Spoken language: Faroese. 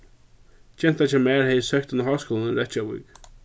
gentan hjá mær hevði søkt inn á háskúlan í reykjavík